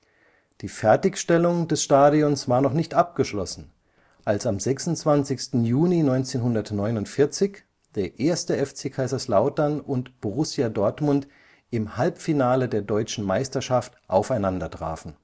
Die Fertigstellung des Stadions war noch nicht abgeschlossen, als am 26. Juni 1949 der 1. FC Kaiserslautern und Borussia Dortmund im Halbfinale der Deutschen Meisterschaft aufeinander trafen